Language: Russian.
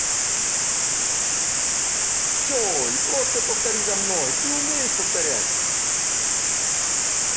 джой просто повтори за мной ты умеешь повторять